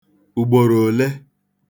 ùgbòròòle